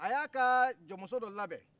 a y'a ka jɔnmuso dɔ labɛn